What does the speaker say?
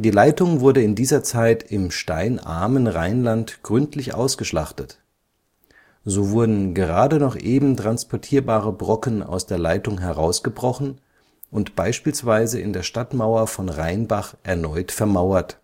Leitung wurde in dieser Zeit im steinarmen Rheinland gründlich ausgeschlachtet. So wurden gerade noch eben transportierbare Brocken aus der Leitung herausgebrochen und beispielsweise in der Stadtmauer von Rheinbach erneut vermauert